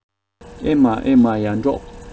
ཨེ མ ཨེ མ ཡར འབྲོག